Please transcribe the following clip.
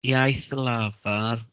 Iaith lafar.